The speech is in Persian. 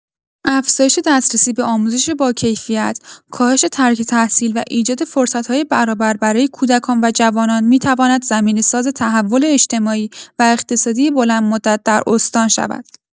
افزایش دسترسی به آموزش باکیفیت، کاهش ترک تحصیل و ایجاد فرصت‌های برابر برای کودکان و جوانان، می‌تواند زمینه‌ساز تحول اجتماعی و اقتصادی بلندمدت در استان شود.